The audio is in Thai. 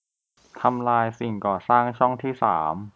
ทำลายสิ่งก่อสร้างช่องที่สาม